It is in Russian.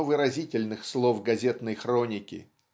но выразительных слов газетной хроники.